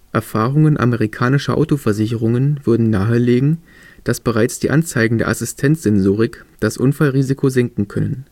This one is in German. Erfahrungen amerikanischer Autoversicherungen würden nahelegen, dass bereits die Anzeigen der Assistenz-Sensorik das Unfallrisiko senken können